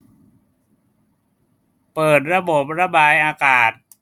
เปิดระบบระบายอากาศ